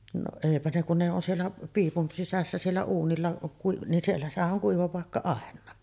no eipä ne kun ne on siellä piipun sisässä siellä uunilla - niin siellä sehän - on kuiva paikka aina